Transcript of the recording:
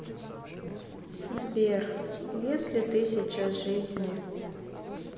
сбер если ты сейчас жизни